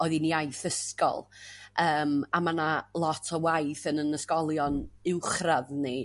O'ddi'n iaith ysgol yym a ma' 'na lot o waith yn yn ysgolion uwchradd ni yym